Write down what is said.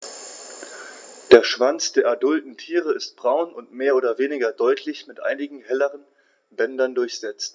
Der Schwanz der adulten Tiere ist braun und mehr oder weniger deutlich mit einigen helleren Bändern durchsetzt.